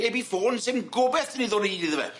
Heb i ffôn sdim gobeth i ni ddod o hyd iddo fe.